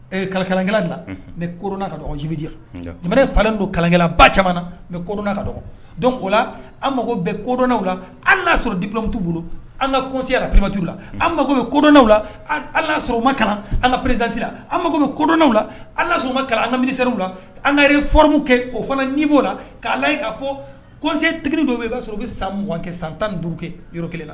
Kɛla dilan ni kodɔn ka jibi jamana falen don kalankɛla ba caman bɛ kodɔnna ka dɔn ko la an mako bɛ kodɔnɛw la alaa sɔrɔ dibiw t'u bolo an ka kɔtiyara perema tuu la an mako bɛ kodɔnw la sɔrɔ u ma kalan an ka perezsira an mako bɛ kodɔnw la ala sɔrɔ u ma kalan an ka miniw la an ka fmu kɛ o fana nifɔ la k'a layi ka fɔ kɔse tigi dɔw i b'a sɔrɔ i bɛ sanugan kɛ san tan ni duuru kɛ yɔrɔ kelen la